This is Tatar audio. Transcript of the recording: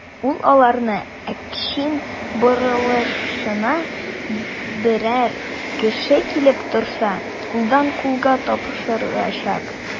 Ул аларны Әкчин борылышына берәр кеше килеп торса, кулдан-кулга тапшырачак.